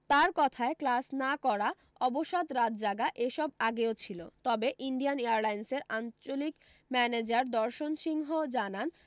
তার কথায় ক্লাস না করা অবসাদ রাত জাগা এ সব আগেও ছিল তবে ইন্ডিয়ান এয়ারলাইন্সের আঞ্চলিক ম্যানেজার দর্শন সিংহ জানান